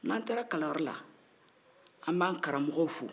n'an taara kalanyɔrɔ la an b'an karamɔgɔw fo